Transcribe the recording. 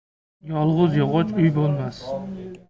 yolg'iz yog'och uy bo'lmas